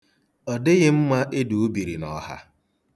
Ọ dịghị mma ịdụ ubiri n'ọha.